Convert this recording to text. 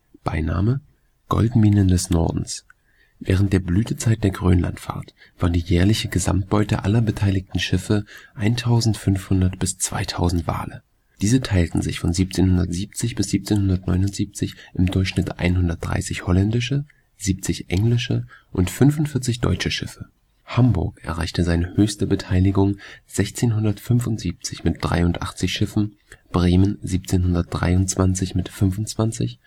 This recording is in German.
Beiname: Goldminen des Nordens). Während der Blütezeit der Grönlandfahrt war die jährliche Gesamtbeute aller beteiligten Schiffe 1500 bis 2000 Wale. Diese teilten sich von 1770 bis 1779 im Durchschnitt 130 holländische, 70 englische und 45 deutsche Schiffe. Hamburg erreichte seine höchste Beteiligung 1675 mit 83 Schiffen, Bremen 1723 mit 25